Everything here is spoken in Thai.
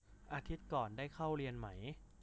อาทิตย์ก่อนได้เข้าเรียนมั้ย